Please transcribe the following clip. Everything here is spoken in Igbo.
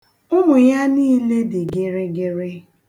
Ụmụ ya niile dị gịrịgịrị.